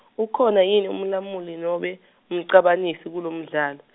ukhona yini umlamuli nobe, umcabanisi, kulomdlalo.